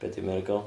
Be 'di miracle?